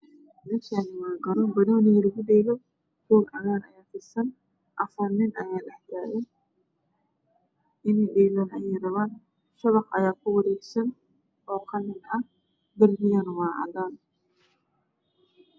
Meshani waa garoon panooniga lagu dheel roog cagaar aya fidasan afar nin aya dhax tagan iney dheelan ayey rapan shaoaq ayaa ku wareeg san oo qalin ah darpigan wa acadaan